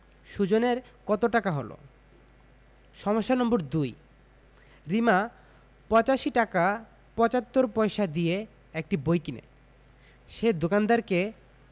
সুজনের কত টাকা হলো সমস্যা নম্বর ২ রিমা ৮৫ টাকা ৭৫ পয়সা দিয়ে একটি বই কিনে সে দোকানদারকে